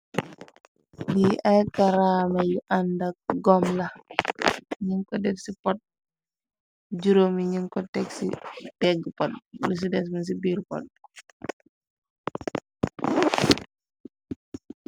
Lii aykaraame yu àndak gom la. Nin ko def ci pot juróomi nin ko teg ci tegg pot lu ci des m ci biiru pot.